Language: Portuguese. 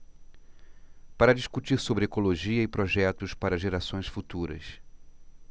para discutir sobre ecologia e projetos para gerações futuras